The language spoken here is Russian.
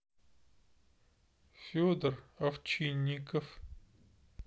федор овчинников